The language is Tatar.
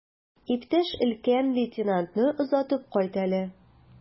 Иптәш өлкән лейтенантны озатып кайт әле.